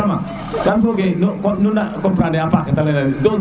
kama kam foge kon nu comprendre e a paax kete ley na